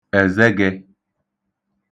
èzegē